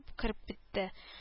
Кереп бетте